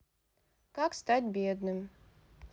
как стать бедным